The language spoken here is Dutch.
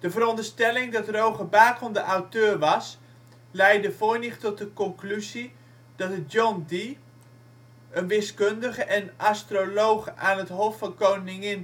veronderstelling dat Roger Bacon de auteur was, leidde Voynich tot de conclusie dat het John Dee, een wiskundige en astroloog aan het hof van koningin